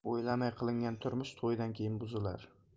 o'ylamay qilingan turmush to'ydan keyin buzilar